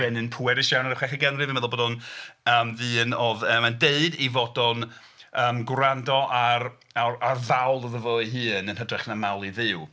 Brenin pwerus iawn yn y chweched ganrif yn meddwl bod o'n yym yn ddyn oedd yym yn deud ei fod o'n yym gwrando ar ar ar fawl iddo fo ei hun yn hytrach na mawl i Dduw.